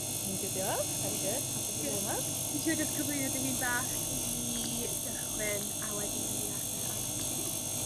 Fi'n good diolch very good hapus i bod 'ma. Ti isio jys cyflwyno dy hun bach cyn i ni gychwyn a wedyn newn ni ddechre ar y cwestiyne.